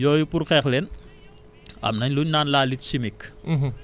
yooyu pour xeex leen am nañ luñ naan la lutte chimique